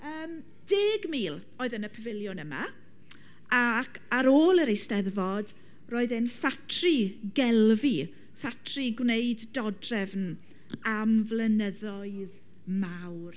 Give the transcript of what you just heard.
Yym deg mil oedd yn y pafiliwn yma ac ar ôl yr Eisteddfod, roedd e'n ffatri gelfi, ffatri gwneud dodrefn am flynyddoedd mawr.